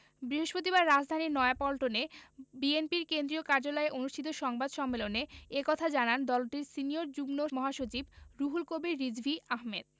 বৃহস্পতিবার রাজধানীর নয়াপল্টনে বিএনপির কেন্দ্রীয় কার্যালয়ে অনুষ্ঠিত সংবাদ সম্মেলন এ কথা জানান দলটির সিনিয়র যুগ্ম মহাসচিব রুহুল কবির রিজভী আহমেদ